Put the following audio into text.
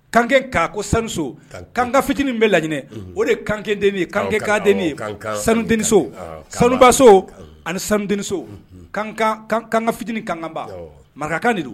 Kan kanko sanuso kanka fitinin bɛ lainɛ o de kan deni ye kankan deni ye sanutso sanubaso ani sanutso kan kanga fitinin kankanba marakakan de don